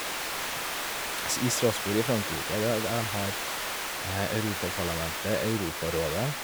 s I Strasbourg i Frankrike, det er der dem har Europaparlamentet, Europarådet...